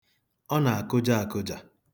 Ọ na-akụja akụja.